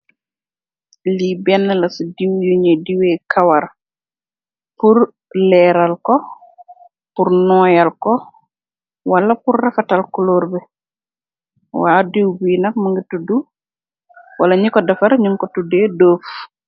Li benna la ci diw yi ñeh diwèè kawar, purr leral ko, purr noyal ko, walla purr rafet tal kulorr bi. Dim bi nak mugeh tuddu dof.